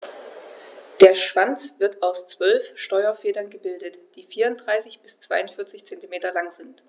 Der Schwanz wird aus 12 Steuerfedern gebildet, die 34 bis 42 cm lang sind.